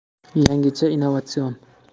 yangicha innovatsion